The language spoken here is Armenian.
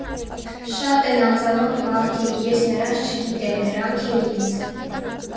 Շատ են անծանոթ մարդիկ՝ ես նրանց չգիտեմ, նրանք էլ՝ ինձ։